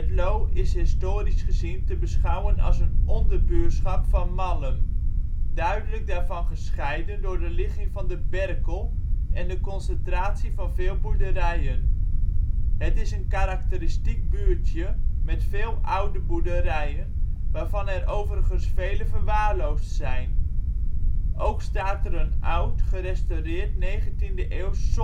Loo is historisch gezien te beschouwen als een onderbuurschap van Mallem, duidelijk daarvan gescheiden door de ligging aan de Berkel en de concentratie van veel boerderijen. Het is een karakteristiek buurtje met veel oude boerderijen, waarvan er overigens vele verwaarloosd zijn. Ook staat er een oud, gerestaureerd, 19e eeuws